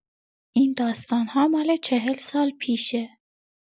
این داستان‌ها مال ۴۰ سال پیشه.